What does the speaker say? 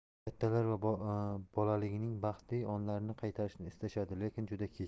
kattalar va bolaligining baxtli onlarini qaytarishni istashadi lekin juda kech